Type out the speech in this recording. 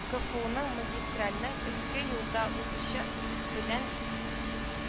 КФУның магистральнең өске юлда узучы белән